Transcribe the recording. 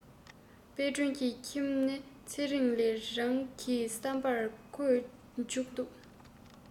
དཔལ སྒྲོན གྱི ཁྱིམ ནི ཚེ རིང ལས རིང གི བསམ པར ཁོས མཇུག ཏུ